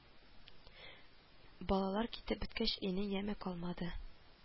Балалар китеп беткәч өйнең яме калмады